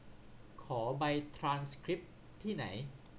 ขอใบทรานสคริปต์ที่ไหน